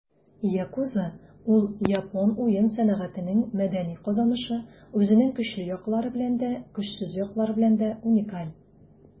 Yakuza - ул япон уен сәнәгатенең мәдәни казанышы, үзенең көчле яклары белән дә, көчсез яклары белән дә уникаль.